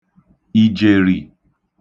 ìjèrì